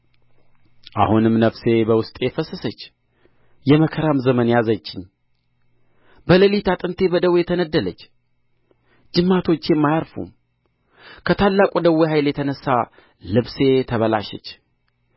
አሁንም ነፍሴ በውስጤ ፈሰሰች የመከራም ዘመን ያዘችኝ በሌሊት አጥንቴ በደዌ ተነደለች ጅማቶቼም አያርፉም ከታላቁ ደዌ ኃይል የተነሣ ልብሴ ተበላሸች